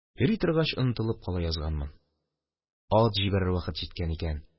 Йөри торгач, онытылып кала язганмын, ат җибәрер вакыт җиткән ик